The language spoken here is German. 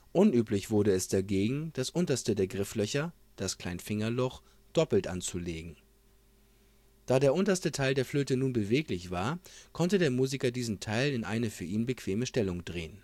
Unüblich wurde es dagegen, das unterste der Grifflöcher, das Kleinfingerloch, doppelt anzulegen. Da der unterste Teil der Flöte nun beweglich war, konnte der Musiker diesen Teil in eine für ihn bequeme Stellung drehen